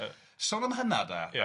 Sôn am hynna de... Ia